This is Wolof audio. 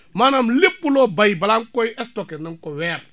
maanaam lépp loo bay balaa nga koy stocké na nga ko weer